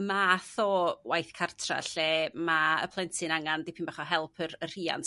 math o waith cartra lle ma' y plentyn angan dipyn bach o help yr rhiant